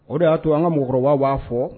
O de y'a to an ka mɔgɔkɔrɔbaw b'a fɔ